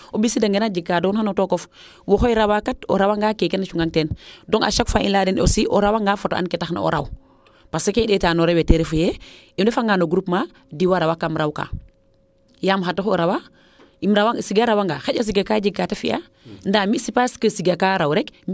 o ɓisiida ngiran a jega kaa donid na tookof waxey rawa kat o rawa nga keeke na cungaŋ teen donc a chaque fois i leya den aussi o rawa nga fato and ke taxna o raw parce que kee i ndeta no rew we ten refuye i ndefa nga no groupement diwa rawa kam raw kaa yaam xa taxu o rawa Siga rawa ngaa xaƴa Siga kaa jeg kaa te fiya ndaa Siga kaa raw rek